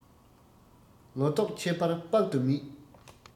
ལོ ཏོག ཁྱད པར དཔག ཏུ མེད